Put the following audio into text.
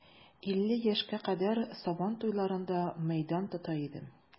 Илле яшькә кадәр сабан туйларында мәйдан тота идем.